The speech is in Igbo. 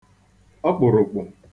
ọkpụ̀rụ̀kpụ̀